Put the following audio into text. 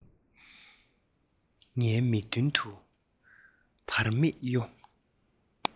ངའི མིག མདུན དུ བར མེད གཡོ